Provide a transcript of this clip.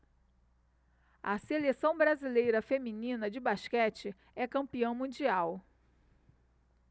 a seleção brasileira feminina de basquete é campeã mundial